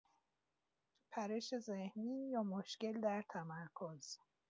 پرش ذهنی یا مشکل در تمرکز